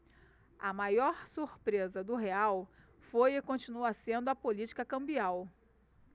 a maior surpresa do real foi e continua sendo a política cambial